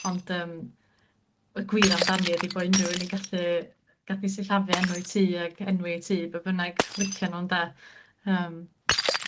Ond yym y gwir amdani ydi bo' unrywun yn gallu gallu sillafi enw 'i tŷ ag enwi 'i tŷ be' bynnag licio nw ynde yym